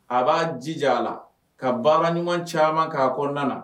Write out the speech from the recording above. A b'a jija a la ka baara ɲɔgɔn caman k'a kɔnɔna na